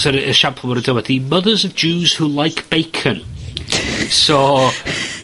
so yr esiampl ma' nw 'di mothers of Jews who like bacon. So